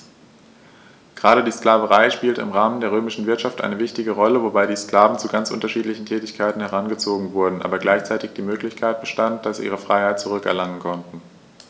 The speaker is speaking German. Gerade die Sklaverei spielte im Rahmen der römischen Wirtschaft eine wichtige Rolle, wobei die Sklaven zu ganz unterschiedlichen Tätigkeiten herangezogen wurden, aber gleichzeitig die Möglichkeit bestand, dass sie ihre Freiheit zurück erlangen konnten.